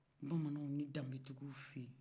bamanan ni danbetigiw fɛ yen